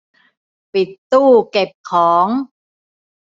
ปิดตู้เก็บของ